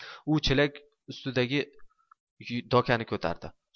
u chelak ustidagi dokani ko'tardi